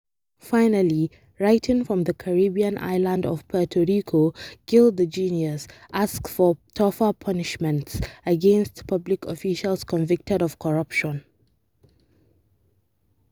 Finally, writing from the Caribbean island of Puerto Rico, “Gil the Jenius” asks for tougher punishments against public officials convicted of corruption.